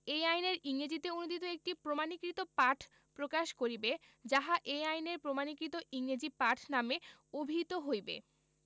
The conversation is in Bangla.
এই আইনের ইংরেজীতে অনুদিত একটি প্রমাণীকৃত পাঠ প্রকাশ করিবে যাহা এই আইনের প্রমাণীকৃত ইংরেজী পাঠ নামে অভিহিত হইবে